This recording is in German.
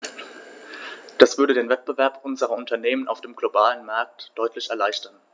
Das würde den Wettbewerb unserer Unternehmen auf dem globalen Markt deutlich erleichtern.